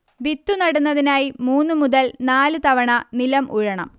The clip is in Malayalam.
വിത്ത് നടുന്നതിനായി മൂന്ന് മുതൽ നാല് തവണ നിലം ഉഴണം